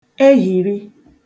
ehìri